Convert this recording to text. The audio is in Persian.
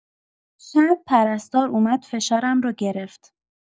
شب، پرستار اومد فشارم رو گرفت.